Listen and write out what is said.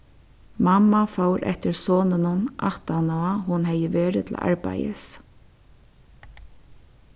mamman fór eftir soninum aftan á hon hevði verið til arbeiðis